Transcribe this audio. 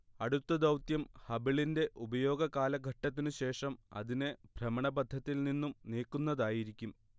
അടുത്ത ദൗത്യം ഹബിളിന്റെ ഉപയോഗ കാലഘട്ടത്തിനു ശേഷം അതിനെ ഭ്രമണപഥത്തിൽ നിന്നും നീക്കുന്നതിനായിരിക്കും